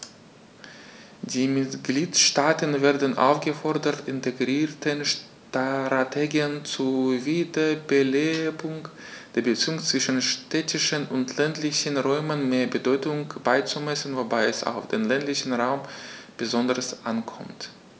Die Mitgliedstaaten werden aufgefordert, integrierten Strategien zur Wiederbelebung der Beziehungen zwischen städtischen und ländlichen Räumen mehr Bedeutung beizumessen, wobei es auf den ländlichen Raum besonders ankommt.